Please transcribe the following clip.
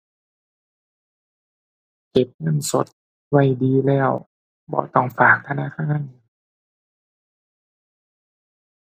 เก็บเงินสดไว้ดีแล้ว บ่ต้องฝากธนาคาร